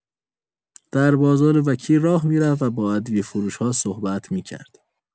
در بازار وکیل راه می‌رفت و با ادویه‌فروش‌ها صحبت می‌کرد.